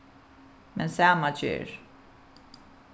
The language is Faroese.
men sama ger